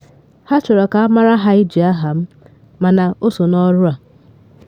Ha chọrọ ka amara ha iji aha m, mana o so n’ọrụ a.